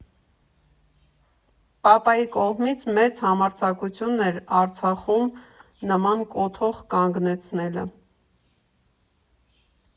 Պապայի կողմից մեծ համարձակություն էր Արցախում նման կոթող կանգնեցնելը։